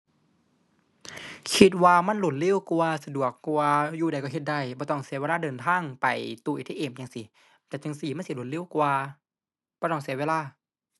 คิดว่ามันรวดเร็วกว่า สะดวกกว่า อยู่ใดก็เฮ็ดได้ บ่ต้องเสียเวลาเดินทางไปตู้ ATM จั่งซี้ แต่จั่งซี้มันสิรวดเร็วกว่า บ่ต้องเสียเวลา